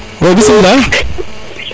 wa bismila